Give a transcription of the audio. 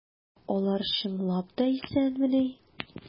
Алар чынлап та исәнмени?